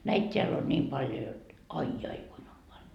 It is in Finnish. näitä täällä on niin paljon jotta ai ai kuinka on paljon